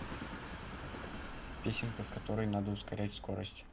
песенка в которой надо ускорять скорость